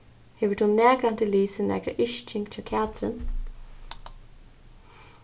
hevur tú nakrantíð lisið nakra yrking hjá katrin